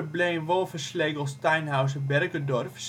Blaine Wolfeschlegel­stein­hausen­berger­dorff